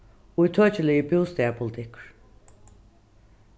ítøkiligur bústaðarpolitikkur